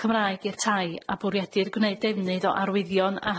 Cymraeg i'r tai a bwriadir gwneud defnydd o arwyddion a